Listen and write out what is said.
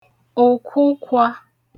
ụ̀kwụkwā